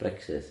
Brexit.